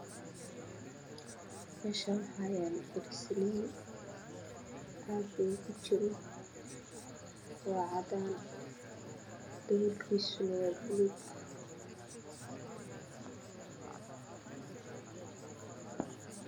Meeshaan waxaa yaalo kardasaliin caaga uu kujiro waa cadaan daboolkiisu waa buluug.